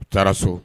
U taara so.